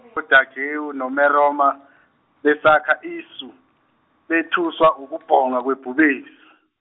oTajewo noMeromo besakha isu bethuswa ukubhonga kwebhubesi.